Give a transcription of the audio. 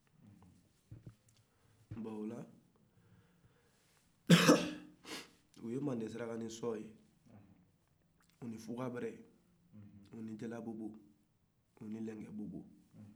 u ye mande saraka ni sɔ ye ani fuga bɛrɛ ani jalabobo ani lɛnkɛbobo